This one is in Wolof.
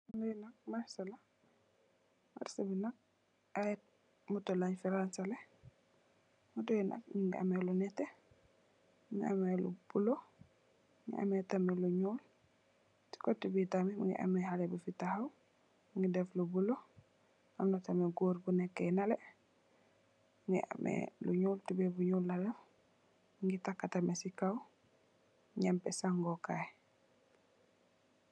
Li nak marchè la, marchè bi nak ay Moto leen fi rangsalè. Moto yu nak nungi ameh lu nètè, nungi ameh lu bulo, mungi ameh tamit lu ñuul. Ci kotè bi tamit mungi ameh haley bu fi tahaw mungi def lu bulo, amna tamit gòor bu nekk nalè mungi ameh lu ñuul tubeye bu ñuul la def, mungi takka tamit ci kaw njampè sangokaay.